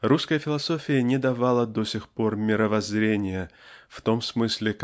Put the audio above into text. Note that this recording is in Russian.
Русская философия не давала до сих пор "мировоззрения" в том смысле